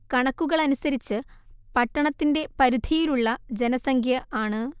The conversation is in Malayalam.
കണക്കുകളനുസരിച്ച് പട്ടണത്തിൻറെ പരിധിയിലുള്ള ജനസംഖ്യ ആണ്